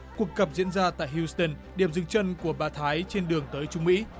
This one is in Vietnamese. cuộc gặp diễn ra tại hiu từn điểm dừng chân của bà thái trên đường tới trung mỹ